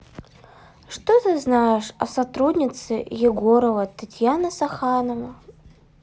что ты знаешь о сотруднице егорова татьяна хасановна